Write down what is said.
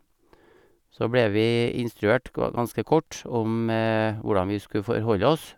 Så ble vi instruert kwa ganske kort om hvordan vi skulle forholde oss.